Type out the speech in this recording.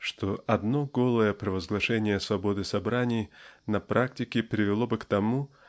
что "одно голое провозглашение свободы собраний на практике привело бы к тому